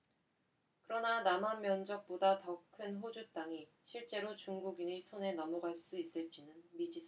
그러나 남한 면적보다 더 큰 호주 땅이 실제로 중국인의 손에 넘어갈 수 있을 지는 미지수다